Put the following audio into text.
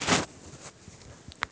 розыгрыши над людьми